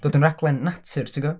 Dod yn raglen natur ti'n gwbod?